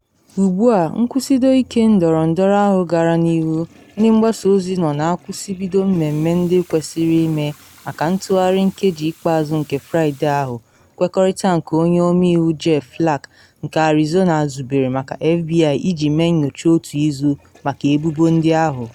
Ugbu a, nkwụsịdo ike ndọrọndọrọ ahụ gara n’ihu, ndị mgbasa ozi nọ na akwụsịbido mmemme ndị kwesịrị ịme maka ntụgharị nkeji ikpeazụ nke Fraịde ahụ: nkwekọrịta nke Onye Ọmeiwu Jeff Flake nke Arizona zubere maka FBI iji mee nnyocha otu-izu maka ebubo ndị ahụ.